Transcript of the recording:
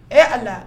Ɛ a la